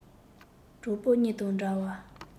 གྲོགས པོ གཉིས དང འདྲ བར